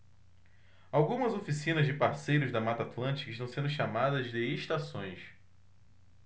algumas oficinas de parceiros da mata atlântica estão sendo chamadas de estações